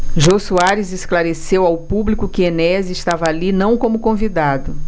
jô soares esclareceu ao público que enéas estava ali não como convidado